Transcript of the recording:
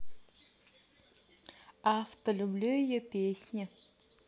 авто люблю ее песни